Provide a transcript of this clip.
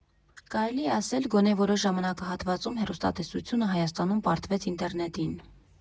Կարելի է ասել՝ գոնե որոշ ժամանակահատվածում հեռուստատեսությունը Հայաստանում պարտվեց ինտերնետին։